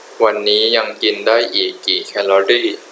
วันนี้ยังกินได้อีกกี่แคลอรี่